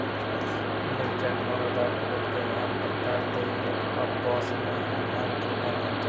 uning chakmonidan o'tgan yomg'ir kalta yenglik abosini nam qilgan edi